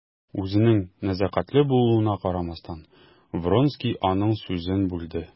Үзенең нәзакәтле булуына карамастан, Вронский аның сүзен бүлде.